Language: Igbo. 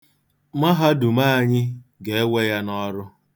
Mahadum anyị ga-ewe ya n'ọrụ.